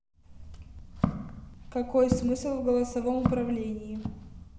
какой смысл в этом голосовом управлении